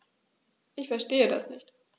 Ich verstehe das nicht.